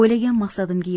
o'ylagan maqsadimga